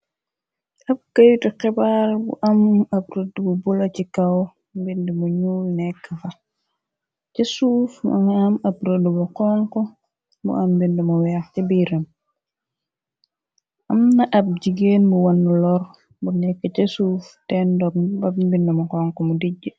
ab këytu xebaar bu am ab rëdd bu bula ci kaw mbind mu ñuul nekk fax c suufaam na ab jigeen bu wannu lor bu nekk ce suuf te ndok bab mbid mu xonk mu dij